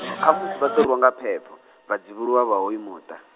kha musi vha ḓo rwiwa nga phepho, vhadzivhuluwa vha hoyu muṱa.